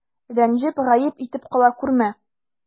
Рәнҗеп, гаеп итеп кала күрмә.